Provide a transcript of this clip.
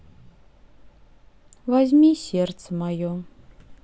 возьми сердце мое